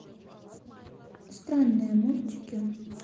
старинные мультики